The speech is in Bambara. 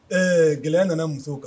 Ɛɛ gɛlɛya nana musow kan